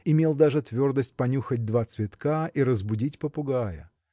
имел даже твердость понюхать два цветка и разбудить попугая.